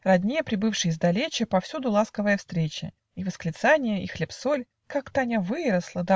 Родне, прибывшей издалеча, Повсюду ласковая встреча, И восклицанья, и хлеб-соль. "Как Таня выросла!